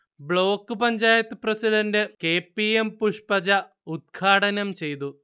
Block panchayat president K. P. M. Pushpaja ഉദ്ഘാടനംചെയ്തു